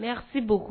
N sibugu